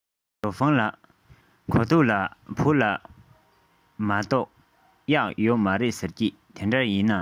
ཞའོ ཧྥུང ལགས གོ ཐོས ལ བོད ལྗོངས མ གཏོགས གཡག ཡོད མ རེད ཟེར གྱིས དེ འདྲ ཡིན ན